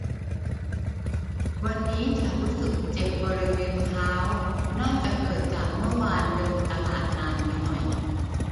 วันนี้ฉันรู้สึกเจ็บบริเวณเท้าน่าจะเกิดจากเมื่อวานเดินตลาดนานไปหน่อย